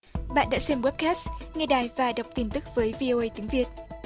bạn đã xem wet cát nghe đài và đọc tin tức với vi ô vi tiếng việt